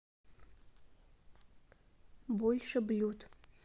больше блюд